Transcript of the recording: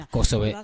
Kosɛbɛ